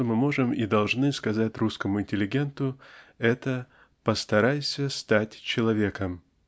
что мы можем и должны сказать русскому интеллигенту это -- постарайся стать человеком.